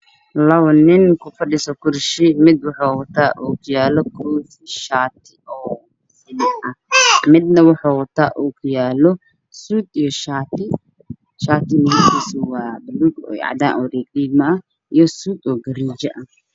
Waa labo nin oo kufadhiso kursi mid waxuu wataa koofi iyo ookiyaalo, shaati. Midna waxuu wataa suud iyo shaati buluug iyo cadaan oo riigriigmo ah iyo suud gariije ah.